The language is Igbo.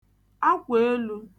akwèelū